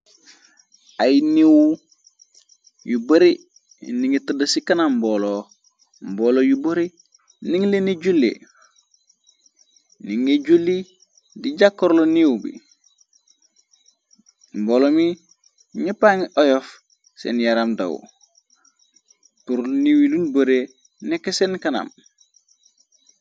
Ay niiw yu bare, ni ngi tëdd ci kanam mboolo, mboolo yu bare, ning leni julle, ni ngi julli di jàkkorolo niiw bi, mboolo mi ñëppani oyof seen yaaram daw, torl niiw yi luñ bare nekk seen kanam.